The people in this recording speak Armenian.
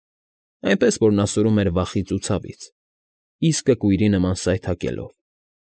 Այնպես որ նա սուլում էր վախից ու ցավից, իսկը կույրի նման սայթաքելով։